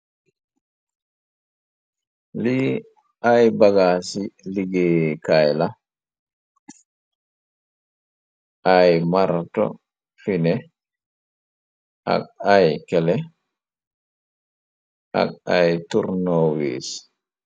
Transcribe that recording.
Li ay bagaa ci liggée kaayla, ay marato fine, ak ay kele, ak ay turnawis.